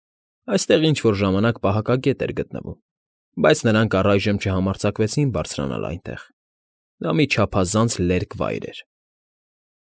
Այստեղ ինչ֊որ ժամանակ պահակակետ էր գտնվում, բայց նրանք առայժմ չհամարձակվեցին բարձրանալու այնտեղ. դա մի չափազանց լերկ վայր էր։